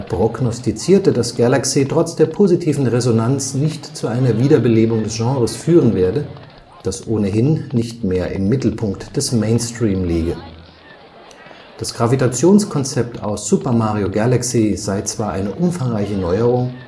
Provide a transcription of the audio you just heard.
prognostizierte, dass Galaxy trotz der positiven Resonanz nicht zu einer Wiederbelebung des Genres führen werde, das ohnehin nicht mehr im Mittelpunkt des Mainstream liege. Das Gravitationskonzept aus Super Mario Galaxy sei zwar eine umfangreiche Neuerung,